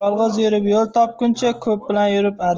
yolg'iz yurib yo'l topguncha ko'p bilan yurib adash